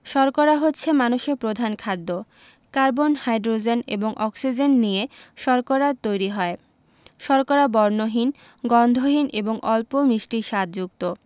শর্করা হচ্ছে মানুষের প্রধান খাদ্য কার্বন হাইড্রোজেন এবং অক্সিজেন নিয়ে শর্করা তৈরি হয় শর্করা বর্ণহীন গন্ধহীন এবং অল্প মিষ্টি স্বাদযুক্ত